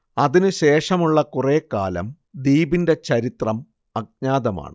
അതിനു ശേഷമുള്ള കുറെ കാലം ദ്വീപിന്റെ ചരിത്രം അജ്ഞാതമാണ്